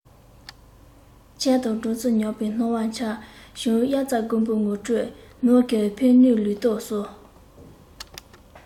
ཆང དང སྦྲང རྩིས མྱོས པའི སྣང བ འཆར བྱུང དབྱར རྩྭ དགུན འབུ ངོ སྤྲོད ནང གི ཕན ནུས ལུས སྟོབས གསོ